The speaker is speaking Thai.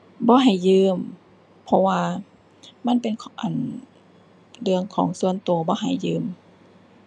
บ่ให้ยืม เพราะว่ามันเป็นของ อั่น เรื่องของส่วนตัว บ่ให้ยืม